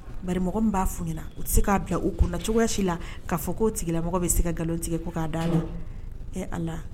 Baramɔgɔ min b'a f tɛ se k'a bila u kunnana cogoyasi la kaa fɔ ko tigilamɔgɔ bɛ se ka nkalon tigɛ ko'a daminɛ a la